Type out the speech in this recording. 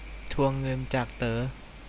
ทวงเงินจากเต๋อ